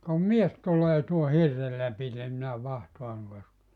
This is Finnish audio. ka mies tulee tuon hirren lävitse minä vahtaan kuinka se